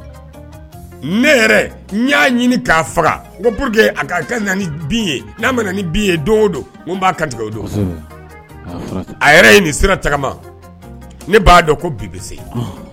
Ne'a ɲini k'a faga que bin n'a'a kantigɛ don a ye nin sera tagama ne b'a dɔn ko bise